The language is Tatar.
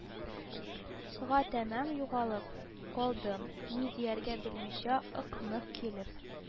Га тәмам югалып калдым, ни дияргә белмичә ык-мык килеп